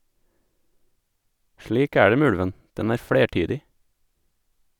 Slik er det med ulven - den er flertydig.